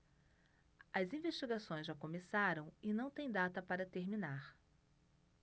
as investigações já começaram e não têm data para terminar